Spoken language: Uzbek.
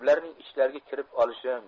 ularning ichlariga kirib olishim